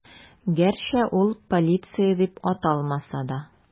Гәрчә ул полиция дип аталмаса да.